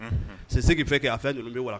Si se fɛn kɛ a fɛn dunun bɛ wa